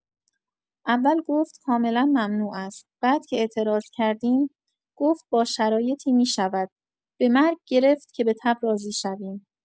اول گفت کاملا ممنوع است، بعد که اعتراض کردیم، گفت با شرایطی می‌شود؛ به مرگ گرفت که به تب راضی شویم!